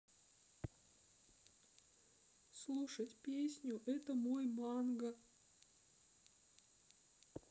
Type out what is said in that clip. слушать песню это мой манго